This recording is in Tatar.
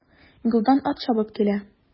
Юлдан ат чабып килә.